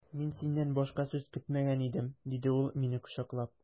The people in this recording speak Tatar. Мин синнән башка сүз көтмәгән идем, диде ул мине кочаклап.